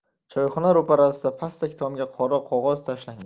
choyxona ro'parasida pastak tomiga qora qog'oz tashlangan